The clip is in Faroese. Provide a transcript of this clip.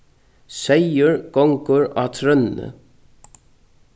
seyður gongur á trøðni